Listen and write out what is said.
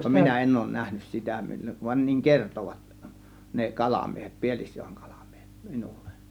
minä en ole nähnyt sitä - vaan niin kertoivat ne kalamiehet Pielisjoen kalamiehet minulle